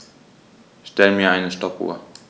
Stell mir eine Stoppuhr.